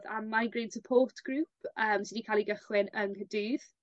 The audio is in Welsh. am migraine support group yym sy 'di ca'l 'i gychwyn yn Nghydydd.